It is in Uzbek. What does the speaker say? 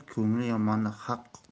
ko'ngli yomonni haq topar